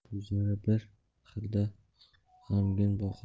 ko'zlari bir xilda g'amgin boqardi